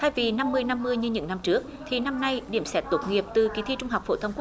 thay vì năm mươi năm mươi như những năm trước thì năm nay điểm xét tốt nghiệp từ kỳ thi trung học phổ thông